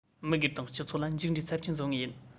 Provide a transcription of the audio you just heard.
མི སྒེར དང སྤྱི ཚོགས ལ མཇུག འབྲས ཚབས ཆེན བཟོ ངེས ཡིན